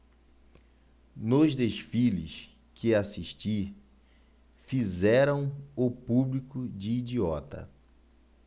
nos desfiles que assisti fizeram o público de idiota